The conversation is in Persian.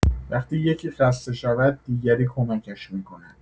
وقتی یکی خسته شود دیگری کمکش می‌کند.